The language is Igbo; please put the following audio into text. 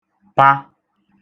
pa